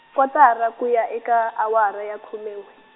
kotara ku ya eka awara ya khume n'we.